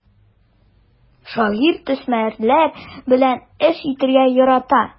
Шагыйрь төсмерләр белән эш итәргә ярата.